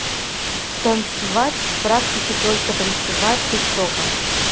танцевать практики только танцевать тик тока